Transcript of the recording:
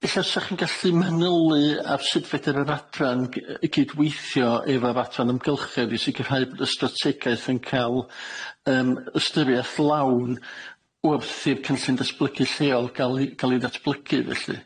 Ella sa chi'n gallu manylu ar sut feder yr adran gy- yy i- gydweithio efo'r Adran Amgylchedd i sicirhau bod y strategaeth yn ca'l yym ystyriaeth lawn wrth i'r Cynllun Datblygu Lleol ga'l i ga'l i ddatblygu, felly.